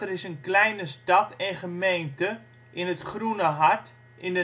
is een kleine stad en gemeente in het Groene Hart in